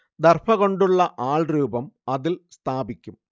ദർഭ കൊണ്ടുള്ള ആൾരൂപം അതിൽ സ്ഥാപിയ്ക്കുക